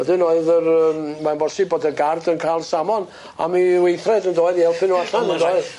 Wedyn oedd yr yym mae'n bosib bod y guard yn ca'l samon am ei weithred yndoedd 'u elpu n'w allan yndoedd?